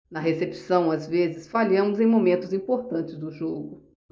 na recepção às vezes falhamos em momentos importantes do jogo